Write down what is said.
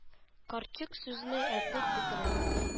Карчык сүзен әйтеп бетерә алмый.